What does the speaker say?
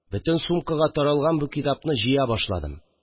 Бөтен сумка таралган бу китапны җыя башладым